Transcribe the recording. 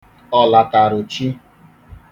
ọlatarụchi